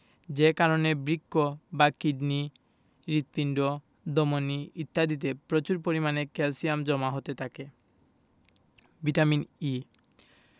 যে কারণে বৃক্ক বা কিডনি হৃৎপিণ্ড ধমনি ইত্যাদিতে প্রচুর পরিমাণে ক্যালসিয়াম জমা হতে থাকে ভিটামিন E